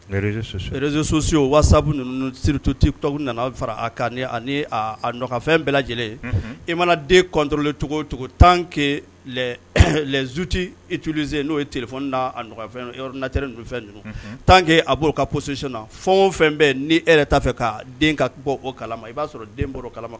Zzsusi o waasa sirituti nana farafɛn bɛɛ lajɛlen i mana den kɔnlen cogo tan ke zoti itulise n'o ye tile n' natɛre fɛn ninnu tan ke a ka psiina fɛn o fɛn bɛɛ ni e yɛrɛ'a fɛ ka ka bɔ o kala i b'a sɔrɔ den bɔ o kalama